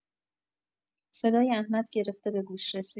صدای احمد گرفته به گوش رسید.